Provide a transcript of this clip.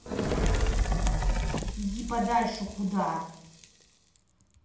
иди подальше куда